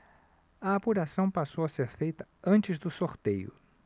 a apuração passou a ser feita antes do sorteio